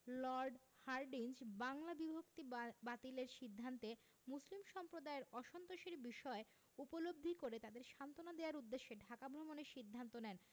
Lord Hardinge Bangla বিভক্তি বা বাতিলের সিদ্ধান্তে মুসলিম সম্প্রদায়ের অসন্তোষের বিষয় উপলব্ধি করে তাদের সান্ত্বনা দেওয়ার উদ্দেশ্যে ঢাকা ভ্রমণের সিদ্ধান্ত নেন